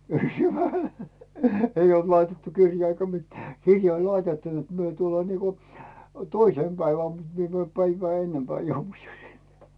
ei ollut laitettu kirjaa eikä mitään kirja oli laitettu että me tullaan niin kuin toisena päivänä mutta minä menen päivää ennempään joudun jo sinne